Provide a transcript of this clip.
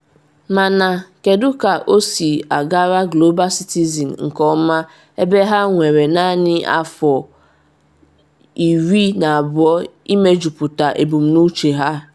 Mana, kedu ka o si agara Global Citizen nke ọma ebe ha nwere naanị afọ 12 imejuputa ebumnuche ya?